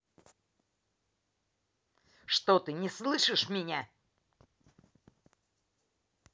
ты что не слышишь меня